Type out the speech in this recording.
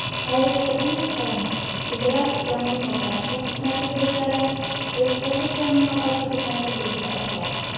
Әлеге төркем составына федераль янгынга каршы хезмәте бүлекләре, республика янгынга каршы хезмәте бүлекләре керә.